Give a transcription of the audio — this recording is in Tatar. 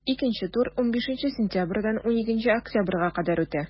Икенче тур 15 сентябрьдән 12 октябрьгә кадәр үтә.